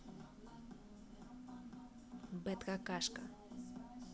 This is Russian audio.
bad какашка